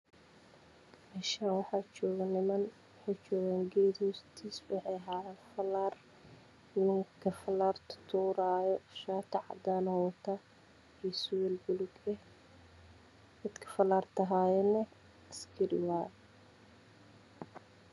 Meeshaan waxaa joogo niman waxay fadhiyaan geed hoostiisa waxay hayaan falaar. Midka falaarta tuurayo shaati cadaan ah ayuu wataa iyo surwaal buluug ah waana askari.